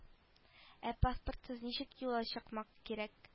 Ә паспортсыз ничек юлга чыкмак кирәк